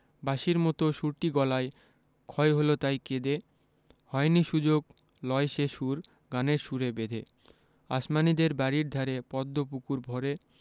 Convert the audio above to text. বাঁশির মতো সুরটি গলায় ক্ষয় হল তাই কেঁদে হয়নি সুযোগ লয় সে সুর গানের সুরে বেঁধে আসমানীদের বাড়ির ধারে পদ্ম পুকুর ভরে